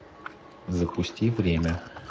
запусти время